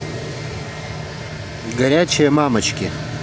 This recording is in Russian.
горячие мамочки